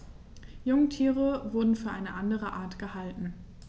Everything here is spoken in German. Jungtiere wurden für eine andere Art gehalten.